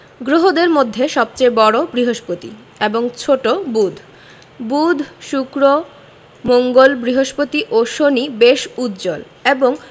গ্রহদের মধ্যে সবচেয়ে বড় বৃহস্পতি এবং ছোট বুধ বুধ শুক্র মঙ্গল বৃহস্পতি ও শনি বেশ উজ্জ্বল এবং